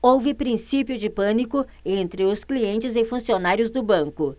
houve princípio de pânico entre os clientes e funcionários do banco